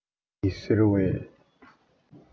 སྐྱིད སྐྱིད ཟེར བས